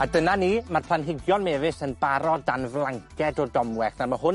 A dyna ni. Ma'r planhigion mefus yn barod, dan flanced o domwellt. A ma' hwn